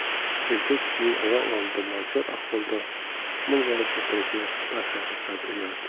erkak kishining ayol oldida nochor ahvolda mung'ayib o'tirishi darhaqiqat uyat